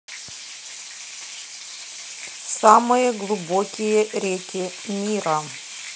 самые глубокие реки мира